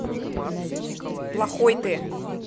плохой ты